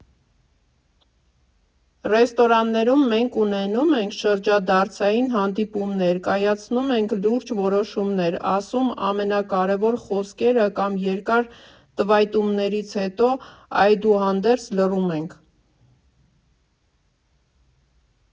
Ռեստորաններում մենք ունենում ենք շրջադարձային հանդիպումներ, կայացնում ենք լուրջ որոշումներ, ասում ամենակարևոր խոսքերը կամ երկար տվայտումներից հետո, այդուհանդերձ, լռում ենք։